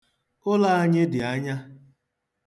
Ụlọ anyị dị anya.